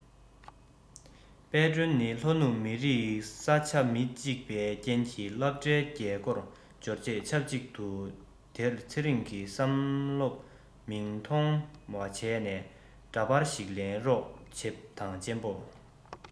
དཔལ སྒྲོན ནི ལྷོ ནུབ མི རིགས ས ཆ མི གཅིག པའི རྐྱེན གྱི སློབ གྲྭའི རྒྱལ སྒོར འབྱོར རྗེས ཆབ གཅིག དུས དེར ཚེ རིང གི སེམས སློབ མིང མཐོང བ བྱས ནས འདྲ པར ཞིག ལེན རོགས བྱེད དང གཅེན པོ